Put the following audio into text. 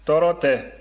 tɔɔrɔ tɛ